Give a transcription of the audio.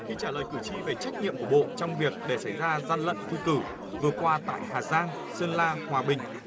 khi trả lời cử tri về trách nhiệm của bộ trong việc để xảy ra gian lận thi cử vừa qua tại hà giang sơn la hòa bình